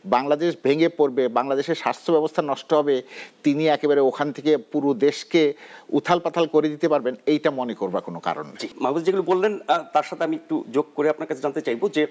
বাংলাদেশ ভেঙে পড়বে বাংলাদেশের স্বাস্থ্য ব্যবস্থা নষ্ট হবে তিনি একেবারে ওখান থেকে পুরো দেশকে উথালপাতাল করে দিতে পারবেন এটা মনে করবার কোন কারন নেই মাহফুজ ভাই যেগুলো বললেন তার সাথে আমি একটু যোগ করে আপনার কাছে জানতে চাইবো যে